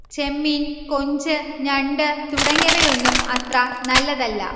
ചെമ്മീൻ, കൊഞ്ച്, ഞണ്ട് തുടങ്ങിയവയൊന്നും അത്ര നല്ലതല്ല